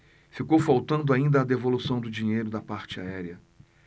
ficou faltando ainda a devolução do dinheiro da parte aérea